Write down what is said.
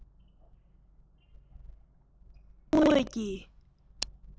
འཚོ བ དངོས ཀྱི